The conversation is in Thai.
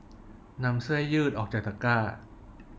นำเสื้อยืดออกจากตะกร้า